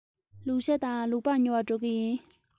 ལུག ཤ དང ལུག ལྤགས ཉོ བར འགྲོ གི ཡིན